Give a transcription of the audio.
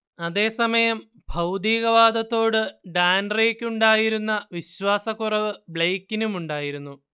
അതേസമയം ഭൗതികവാദത്തോട് ഡാന്റേക്കുണ്ടായിരുന്ന വിശ്വാസക്കുറവ് ബ്ലെയ്ക്കിനുമുണ്ടായിരുന്നു